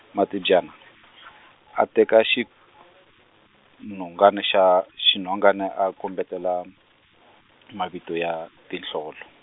Matibyana, a teka xinhongana xa xinhongana a kombetela , mavito ya , tinhlolo.